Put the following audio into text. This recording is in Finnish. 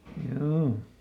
joo